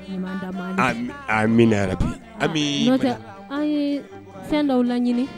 A bi fɛn dɔw laɲini